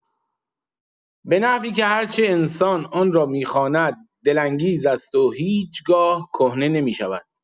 به نحوی که هر چه انسان آن را می‌خواند دل‌انگیز است و هیچ‌گاه کهنه نمی‌شود.